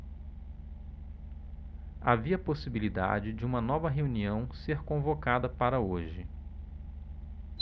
havia possibilidade de uma nova reunião ser convocada para hoje